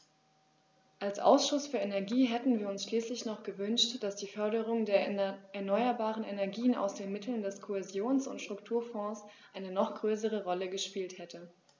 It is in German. Als Ausschuss für Energie hätten wir uns schließlich noch gewünscht, dass die Förderung der erneuerbaren Energien aus den Mitteln des Kohäsions- und Strukturfonds eine noch größere Rolle gespielt hätte.